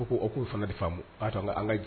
Ko o k' a ko yɔrɔ de faamu, k'a ka to